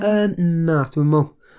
Yy, na, dwi'm yn meddwl.